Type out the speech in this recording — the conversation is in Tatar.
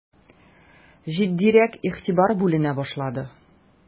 Җитдирәк игътибар бүленә башлады.